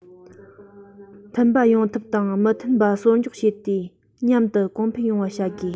མཐུན པ ཡོང ཐབས དང མི མཐུན པ སོར འཇོག བྱས ཏེ མཉམ དུ གོང འཕེལ ཡོང བ བྱ དགོས